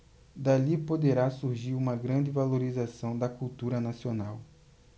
dali poderá surgir uma grande valorização da cultura nacional